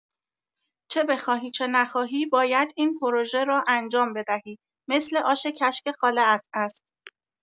چه بخواهی چه نخواهی، باید این پروژه را انجام بدهی، مثل آش کشک خاله‌ات است.